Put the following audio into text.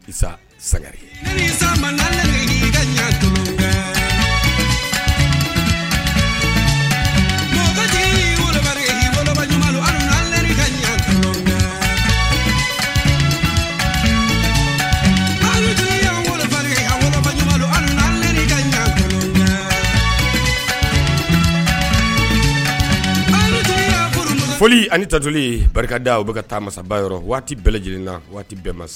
Ri ani tajli barika da u bɛka ka taa masaba yɔrɔ waati bɛɛ lajɛlenna waati bɛɛ ma